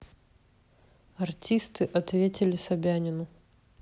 артисты ответили собянину